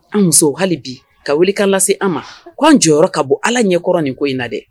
An musow hali bi ka welekan lase an ma, ko an jɔyɔrɔ ka bon Ala ɲɛkɔrɔ nin ko in na dɛ